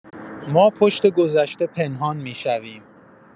ما پشت گذشته پنهان می‌شویم.